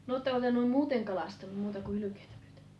no oletteko te noin muuten kalastanut muuta kuin hylkeitä pyytänyt